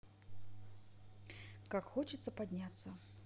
как хочет подняться